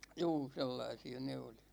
juu sellaisia ne oli